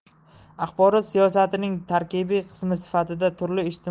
axborot siyosatining tarkibiy qismi sifatida turli ijtimoiy